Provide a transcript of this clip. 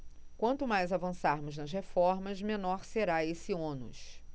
quanto mais avançarmos nas reformas menor será esse ônus